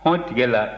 hɔn tiga la